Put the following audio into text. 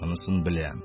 Анысын беләм.